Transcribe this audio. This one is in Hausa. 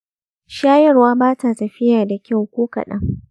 shayarwa ba ta tafiya da kyau ko kaɗan.